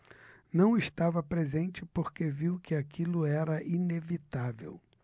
não estava presente porque viu que aquilo era inevitável